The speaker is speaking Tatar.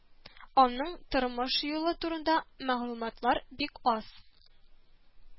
Аның тормыш юлы турында мәгълүматлар бик аз